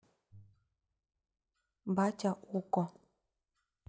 батя okko